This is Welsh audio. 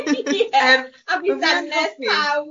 Ie a fi'n ddanedd pawb.